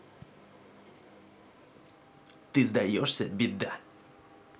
ты сдаешься беда